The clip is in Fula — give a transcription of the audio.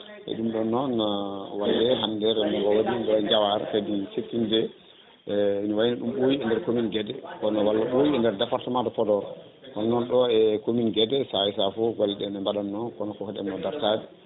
e ɗm ɗon noon wadde hande rendogo waaɗino ɗo jawar kadi siftinde e ene wayno ɗum ɓooyi e nder commune Guédé kono walla ɓooyi e nder département de Podor kono noon ɗo e commune Guédé saaha e saaha foof golleɗe ne mbaɗanno kono koko ɗeɓno dartade